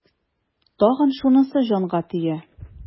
Тагын шунысы җанга тия.